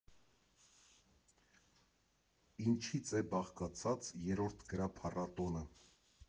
Ինչից է բաղկացած երրորդ գրափառատոնը։